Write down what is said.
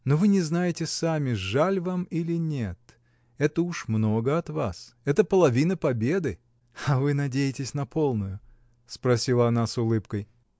Но вы не знаете сами, жаль вам или нет: это уж много от вас, это половина победы. — А вы надеетесь на полную? — спросила она с улыбкой.